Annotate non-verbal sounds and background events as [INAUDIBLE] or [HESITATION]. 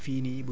[HESITATION] [HESITATION]